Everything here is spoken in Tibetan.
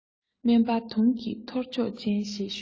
སྨན པ དུང གི ཐོར ཅོག ཅན ཞེས ཞུ ལ